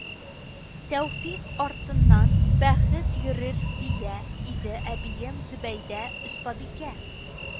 Тәүфыйкъ артыннан бәхет йөрер дия иде әбием Зөбәйдә остабикә